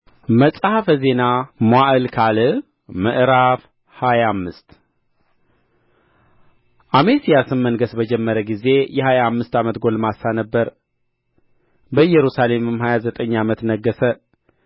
መጽሐፈ ዜና መዋዕል ካልዕ ምዕራፍ ሃያ አምስት አሜስያስም መንገሥ በጀመረ ጊዜ የሀያ አምስት ዓመት ጕልማሳ ነበረ በኢየሩሳሌምም ሀያ ዘጠኝ ዓመት ነገሠ